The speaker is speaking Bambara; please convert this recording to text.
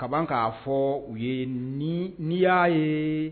Kaban k'a fɔɔ u ye n'i n'i y'a yee